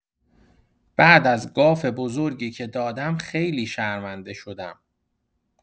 بعد از گاف بزرگی که دادم، خیلی شرمنده شدم.